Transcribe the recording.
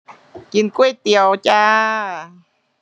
กินก๋วยเตี๋ยวจ้า